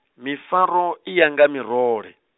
mifaro, i ya nga mirole.